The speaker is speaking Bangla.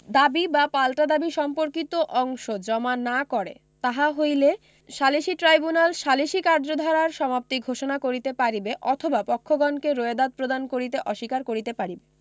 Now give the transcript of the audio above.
দাবী বা পাল্টা দাবী সম্পর্কিত অংশ জমা না করে তাহা হইলে সালিসী ট্রাইব্যুনাল সালিমী কার্যধারার সমাপ্তি ঘোষণা করিতে পারিবে অথবা পক্ষগণকে রোয়েদাদ প্রদান করিতে অস্বীকার করিতে পারিবে